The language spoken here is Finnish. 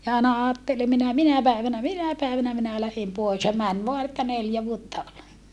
ja aina ajatteli minä minä päivänä minä päivänä minä lähden pois ja meni vain että neljä vuotta oli